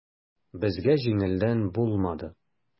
Безгә җиңелдән булмады.